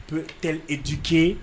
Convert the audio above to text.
Dike